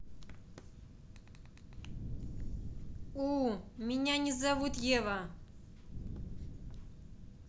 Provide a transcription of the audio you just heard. у меня не зовут ева